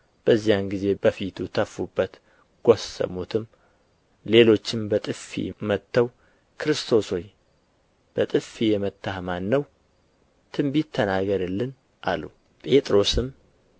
በዚያን ጊዜ በፊቱ ተፉበት ጐሰሙትም ሌሎችም በጥፊ መትተው ክርስቶስ ሆይ በጥፊ የመታህ ማን ነው ትንቢት ተናገርልን አሉ ጴጥሮስም